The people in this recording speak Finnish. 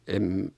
en